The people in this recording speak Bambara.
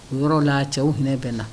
U yɔrɔ la cɛw hinɛ bɛ na